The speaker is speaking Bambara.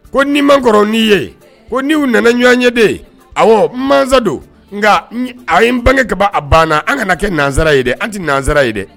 Ko nii man kɔrɔ n'i ye ko n nana ɲɔgɔn ye de ye a masa don nka a n bange kaba a banna an kana kɛ nansara ye dɛ an tɛ nansara ye dɛ